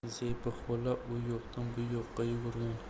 zebi xola u yoqdan bu yoqqa yugurgan